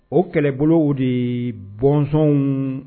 O kɛlɛbolo de bɔnsɔn